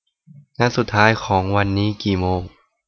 นัดสุดท้ายของวันนี้กี่โมง